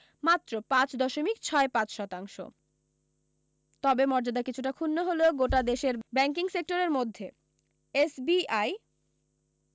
মাত্র পাঁচ দশমিক ছয় পাঁচ শতাংশ তবে মর্যাদা কিছুটা ক্ষুণ্ণ হলেও গোটা দেশের ব্যাংকিং সেক্টরের মধ্যে এসবিআই